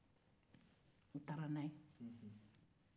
u taara n'a ye